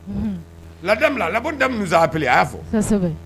Unhun. La dame la, la boone dame nous a appelé a y'a fɔ. Koisɛbɛ!